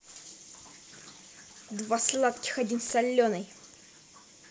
два сладких один соленый